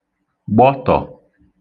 gbọtọ̀